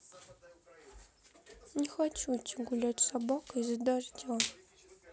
не хочу идти гулять с собакой из за дождя